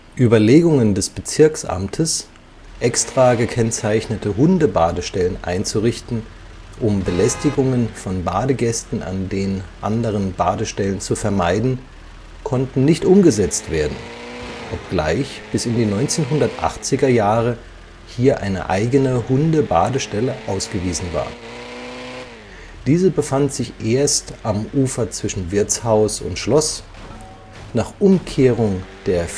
Überlegungen des Bezirksamtes, „ extra gekennzeichnete Hundebadestellen einzurichten, um Belästigungen von Badegästen an den anderen Badestellen zu vermeiden “, konnten nicht umgesetzt werden, obgleich bis in die 1980er-Jahre hier eine eigene Hundebadestelle ausgewiesen war. Diese befand sich erst am Ufer zwischen Wirtshaus und Schloss, nach Umkehrung der